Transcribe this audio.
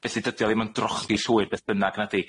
felly dydi o ddim yn drochi llwyr beth bynnag na' 'di?